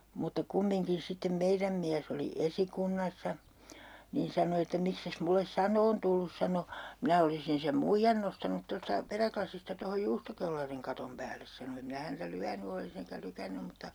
mutta kumminkin sitten meidän mies oli esikunnassa niin sanoi että miksi et minulle sanomaan tullut sanoi minä olisin sen muijan nostanut tuosta perälasista tuohon juustokellarin katon päälle sanoi en minä häntä lyönyt olisi enkä lykännyt mutta